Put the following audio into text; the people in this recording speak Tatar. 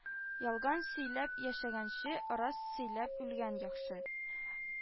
Ялган сөйләп яшәгәнче, рас сөйләп үлгән яхшы